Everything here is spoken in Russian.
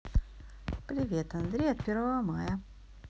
привет андрей от первого мая